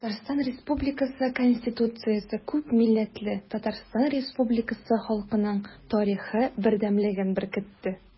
Татарстан Республикасы Конституциясе күпмилләтле Татарстан Республикасы халкының тарихы бердәмлеген беркетте.